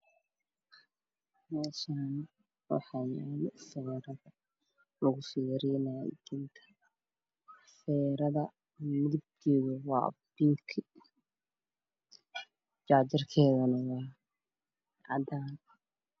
Meeshaan waxaa yaalo feero lagu feereenaayey dunta feerada midabkeeda waa pinky jaajar keedana waa cadaan